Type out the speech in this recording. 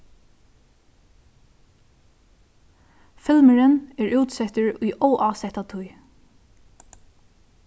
filmurin er útsettur í óásetta tíð